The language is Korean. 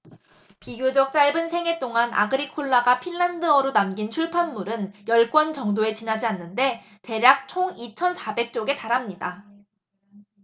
비교적 짧은 생애 동안 아그리콜라가 핀란드어로 남긴 출판물은 열 권 정도에 지나지 않는데 대략 총 이천 사백 쪽에 달합니다